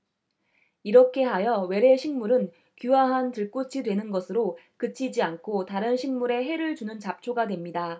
이렇게 하여 외래 식물은 귀화한 들꽃이 되는 것으로 그치지 않고 다른 식물에 해를 주는 잡초가 됩니다